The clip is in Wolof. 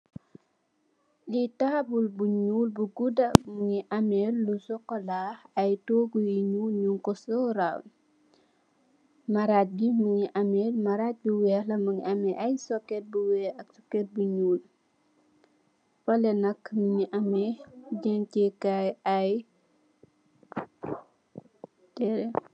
Lii taabul bu njull bu gudah mungy ameh lu chocolat, aiiy tohgu yu njull njung kor surround, marajj bii mungy ameh marajj bu wekh la, mungy ameh aiiy socket bu wekh ak socket bu njull, fehleh nak mungy ameh dencheh kaii aiiy tehreh.